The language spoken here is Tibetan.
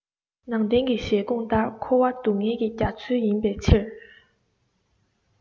ནང བསྟན གྱི བཞེད དགོངས ལྟར འཁོར བ སྡུག བསྔལ གྱི རྒྱ མཚོ ཡིན པའི ཕྱིར